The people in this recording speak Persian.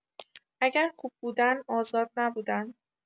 اگر خوب بودن آزاد نبودن